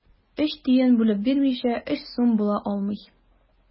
Өч тиен бүлеп бирмичә, өч сум була алмый.